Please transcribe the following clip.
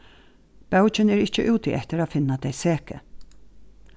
bókin er ikki úti eftir at finna tey seku